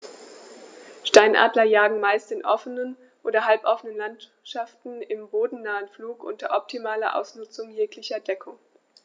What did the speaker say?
Steinadler jagen meist in offenen oder halboffenen Landschaften im bodennahen Flug unter optimaler Ausnutzung jeglicher Deckung.